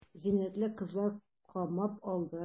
Зиннәтне кызлар камап алды.